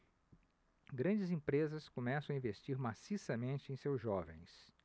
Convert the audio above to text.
grandes empresas começam a investir maciçamente em seus jovens